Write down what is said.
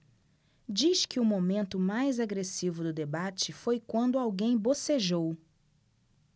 diz que o momento mais agressivo do debate foi quando alguém bocejou